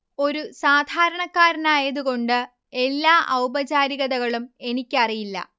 ഒരു സാധാരണക്കാരനായത് കൊണ്ട് എല്ലാ ഔപചാരികതകളും എനിക്കറിയില്ല